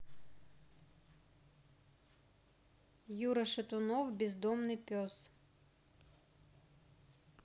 юра шатунов бездомный пес